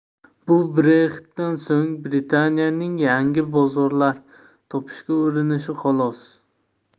bu brexit'dan so'ng britaniyaning yangi bozorlar topishga urinishi xolos